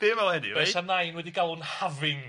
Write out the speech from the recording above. Ddim o hynny, reit? Bysa nain wedi galw'n having.